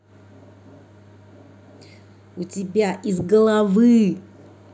у тебя из головы